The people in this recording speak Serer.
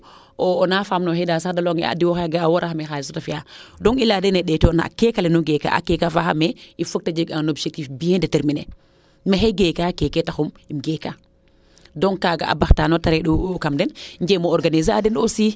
o na faamno xxida sax de leyonge a diwo xaga o woora xame xalis fe te fiya donc i leya dene ndeet yo na keeka le nu ngeeka a keek a faaxa mais il faut te jeg un objectif bien determiner maxey geeka keeke taxu im geeka dinc kaaga a baxtaano te reend u kam den njemo organiser a den aussi